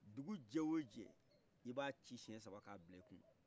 dugu jɛ au jɛ iba ci siyen saba ka bilaiku